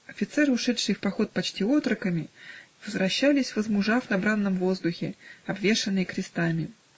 Офицеры, ушедшие в поход почти отроками, возвращались, возмужав на бранном воздухе, обвешанные крестами.